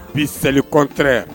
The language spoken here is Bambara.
Bi seli kɔnɛ